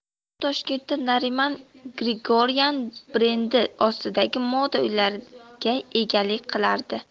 u toshkentda nariman grigoryan brendi ostidagi moda uylariga egalik qilardi